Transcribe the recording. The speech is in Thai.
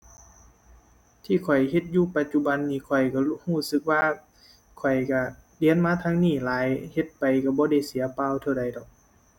ที่ข้อยเฮ็ดอยู่ปัจจุบันนี้ ข้อยก็รู้ ก็สึกว่าข้อยก็เรียนมาทางนี้หลาย เฮ็ดไปก็บ่ได้เสียเปล่าเท่าใดดอก ⁠